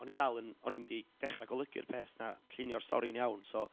o'n i'n dal yn... o'n i'm 'di dechrau golygu'r peth na llunio'r stori'n iawn, so...